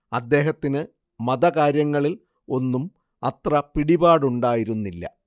അദ്ദേഹത്തിന് മതകാര്യങ്ങളിൽ ഒന്നും അത്ര പിടിപാടുണ്ടായിരുന്നില്ല